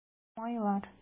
Майлар